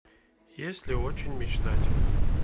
если очень мечтать